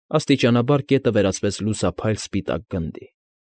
Աստիճանաբար կետը վերածվեց լուսափայլ սպիտակ գնդի։